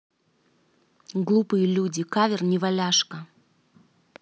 глупые люди кавер неваляшка